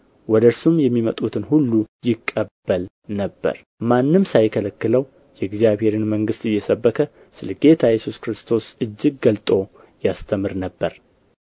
ወደ እርሱም የሚመጡትን ሁሉ ይቀበል ነበር ማንም ሳይከለክለው የእግዚአብሔርን መንግሥት እየሰበከ ስለ ጌታ ስለ ኢየሱስ ክርስቶስ እጅግ ገልጦ ያስተምር ነበር